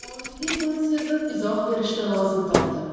xolidiy buni sezib izoh berishni lozim topdi